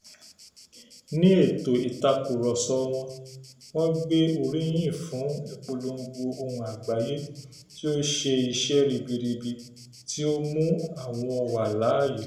Ní ètò ìtàkùrọ̀sọ wọn, wọ́n gbé orí yìn fún ìpolongo Ohùn Àgbáyé tí ó ṣe iṣẹ́ ribiribi tí ó mú àwọn wà láyé.